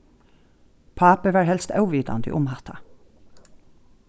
pápi var helst óvitandi um hatta